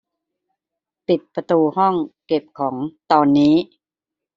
ปิดประตูห้องเก็บของตอนนี้